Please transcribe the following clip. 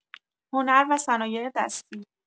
هنر و صنایع‌دستی